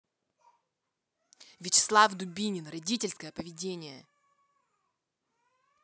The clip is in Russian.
вячеслав дубинин родительское поведение